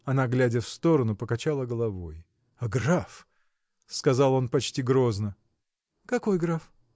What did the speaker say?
Она, глядя в сторону, покачала головой. – А граф? – сказал он почти грозно. – Какой граф?